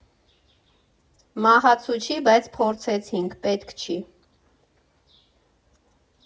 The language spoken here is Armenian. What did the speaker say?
Մահացու չի, բայց փորձեցինք՝ պետք չի։